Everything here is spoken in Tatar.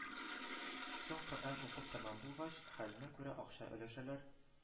Соң, коръән укып тәмам булгач, хәленә күрә акча өләшәләр